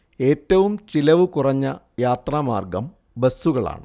ഏറ്റവും ചെലവ് കുറഞ്ഞ യാത്രാ മാർഗ്ഗം ബസ്സുകളാണ്